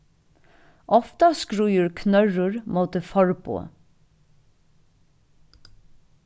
ofta skríður knørrur móti forboð